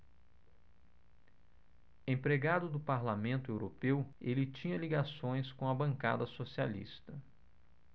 empregado do parlamento europeu ele tinha ligações com a bancada socialista